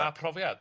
A a a profiad.